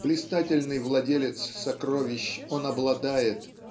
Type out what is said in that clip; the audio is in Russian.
блистательный владелец сокровищ он обладает